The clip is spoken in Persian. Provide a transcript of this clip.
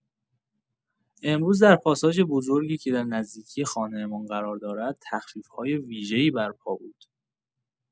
امروز در پاساژ بزرگی که در نزدیکی خانه‌مان قرار دارد، تخفیف‌های ویژه‌ای برپا بود.